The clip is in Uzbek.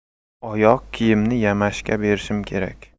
oyoq kiyimimni yamashga berishim kerak